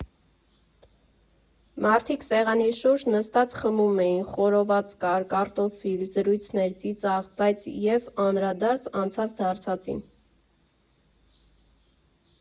Մարդիկ սեղանի շուրջ նստած խմում էին, խորոված կար, կարտոֆիլ, զրույցներ, ծիծաղ, բայց և անդրադարձ անցած֊դարձածին։